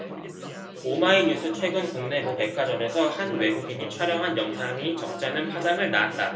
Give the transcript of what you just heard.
오마이뉴스 최근 국내 모 백화점에서 한 외국인이 촬영한 영상이 적잖은 파장을 낳았다